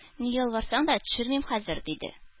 Ни ялварсаң да төшермим хәзер! — диде.